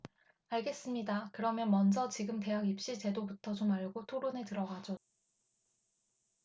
알겠습니다 그러면 먼저 지금 대학입시제도부터 좀 알고 토론에 들어가죠